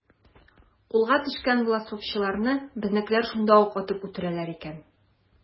Кулга төшкән власовчыларны безнекеләр шунда ук атып үтерәләр икән.